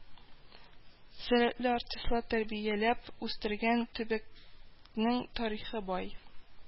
Сәләтле артистлар тәрбияләп үстергән төбәкнең тарихы бай